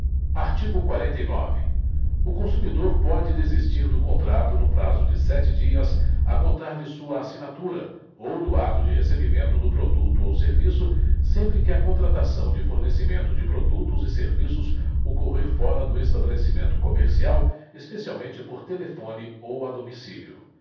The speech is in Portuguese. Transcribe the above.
artigo quarenta e nove o consumidor pode desistir do contrato no prazo de sete dias a contar de sua assinatura ou do ato de recebimento do produto ou serviço sempre que a contratação de fornecimento de produtos e serviços ocorrer fora do estabelecimento comercial especialmente por telefone ou a domicílio